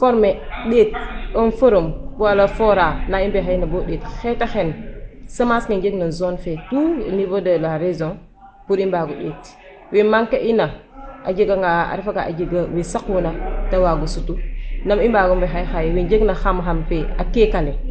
Waye tamit i sooxla'aa mbexey bo xaye ndak o mbexey bo former ɗeet un FORUM a wala FORA na i mbexeyna bo ɗeet xet ax semence ne njegna zone fe tout au nivau de la région pour i mbaag o ɗeet we manquer ina a jeganga, a refanga a jega we saquna ta waag o sut nam i mbaagu mbexey xaye we njegna xam xam fe a keekale'a da mbaag o partager in fo lakas ke a jaranga des visite d' échange poŋk kaaga .